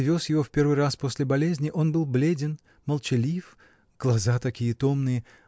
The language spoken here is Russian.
привез его в первый раз после болезни, он был бледен, молчалив. глаза такие томные.